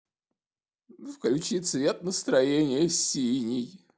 включи цвет настроения синий